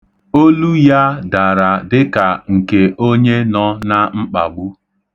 Olu ya dara dịka nke onye nọ na mkpagbu.